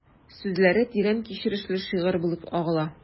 Сүзләре тирән кичерешле шигырь булып агыла...